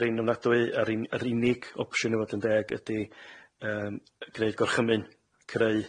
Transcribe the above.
brin ofnadwy a'r un- yr unig opsiwn i fod yn deg ydi yym yy gneud gorchymyn, creu.